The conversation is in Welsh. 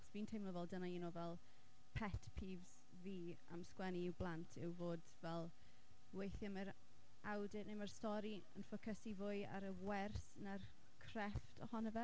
Achos fi'n teimlo fel dyna un o fel pet peeves fi am sgwennu i blant yw fod fel weithiau mae'r awdur neu mae'r stori yn ffocysu fwy ar y wers na'r crefft ohono fe.